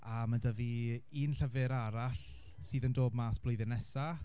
A ma' 'da fi un llyfr arall sydd yn dod mas blwyddyn nesaf.